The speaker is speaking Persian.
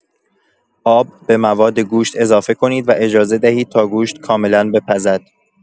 آب به مواد گوشت اضافه کنید و اجازه دهید تا گوشت کاملا بپزد.